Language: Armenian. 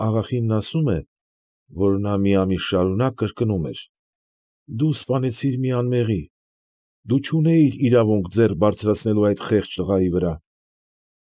Աղախինն ասում է, որ նա մի ամիս շարունակ կրկնում էր. ֊ Դու սպանեցիր մի անմեղի, դու չունեիր իրավունք ձեռք բարձրացնելու այն խեղճ տղայի վրա։